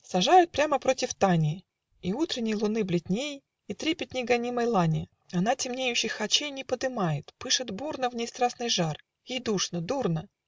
Сажают прямо против Тани, И, утренней луны бледней И трепетней гонимой лани, Она темнеющих очей Не подымает: пышет бурно В ней страстный жар ей душно, дурно